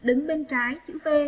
đứng bên trái chữ t